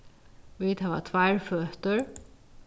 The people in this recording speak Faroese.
vit hava tveir føtur